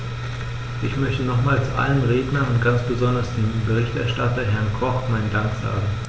Ich möchte nochmals allen Rednern und ganz besonders dem Berichterstatter, Herrn Koch, meinen Dank sagen.